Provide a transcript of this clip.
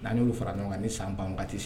N' yolu fara ɲɔgɔn kan ni san ban ka tɛ